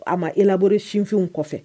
A ma élaboré sinfinw kɔfɛ